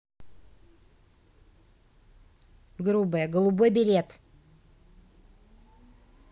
грубая голубой берет